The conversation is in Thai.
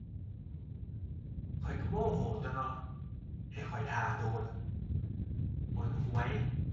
ข้อยก็โมโหตั่วเนาะ ให้ข้อยท่าโดน หนหวย